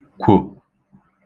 kwò